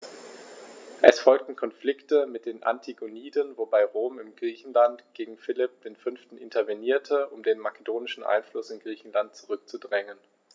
Es folgten Konflikte mit den Antigoniden, wobei Rom in Griechenland gegen Philipp V. intervenierte, um den makedonischen Einfluss in Griechenland zurückzudrängen.